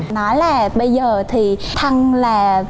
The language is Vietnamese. nói là bây giờ thì thăng là